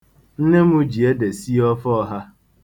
Nne m ji ede sie ofe ọha.